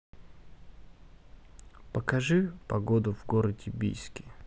покажи погоду в городе бийске